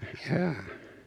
jaa